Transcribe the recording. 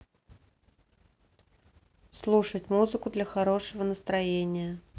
слушать музыку для хорошего настроения